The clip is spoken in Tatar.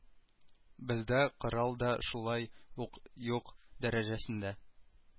Бездә корал да шулай ук юк дәрәҗәсендә